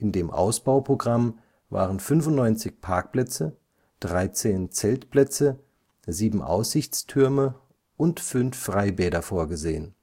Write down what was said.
dem Ausbauprogramm waren 95 Parkplätze, 13 Zeltplätze, sieben Aussichtstürme und fünf Freibäder vorgesehen